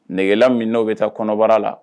Negela min n'o bɛ taa kɔnɔbara la